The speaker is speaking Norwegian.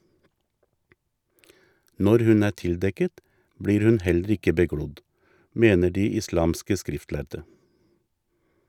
Når hun er tildekket, blir hun heller ikke beglodd, mener de islamske skriftlærde.